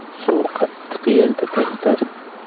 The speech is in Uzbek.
suv qattiq yerda to'xtar